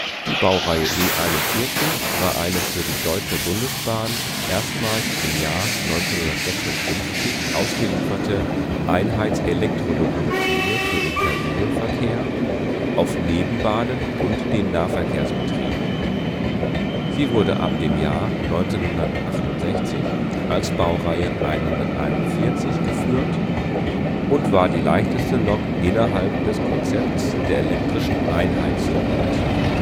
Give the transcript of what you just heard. Die Baureihe E 41 war eine für die Deutsche Bundesbahn erstmals im Jahr 1956 ausgelieferte Einheitselektrolokomotive für den Personenverkehr auf Nebenbahnen und den Nahverkehrsbetrieb. Sie wurde ab dem Jahr 1968 als Baureihe 141 geführt und war die leichteste Lok innerhalb des Konzepts der elektrischen Einheitslokomotiven